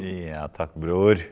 ja takk bror.